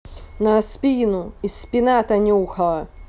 на спину и спина танюха